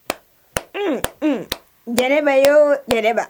Ma y